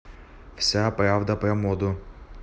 вся правда про моду